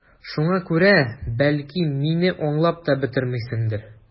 Шуңа күрә, бәлки, мине аңлап та бетермисеңдер...